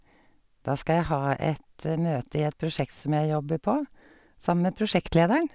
Da skal jeg ha et møte i et prosjekt som jeg jobber på, sammen med prosjektlederen.